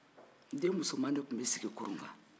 den musoman de tun bɛ sigi kurun kan